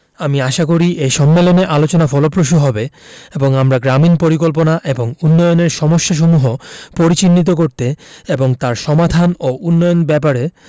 আমি আশা করি এ সম্মেলনে আলোচনা ফলপ্রসূ হবে এবং আমরা গ্রামীন পরিকল্পনা এবং উন্নয়নের সমস্যাসমূহ পরিচিহ্নিত করতে এবং তার সমাধান ও উন্নয়ন ব্যাপারে